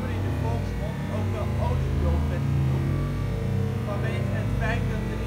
in de volksmond ook wel Oliebult werd genoemd vanwege het feit dat